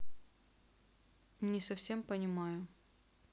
не совсем понимаю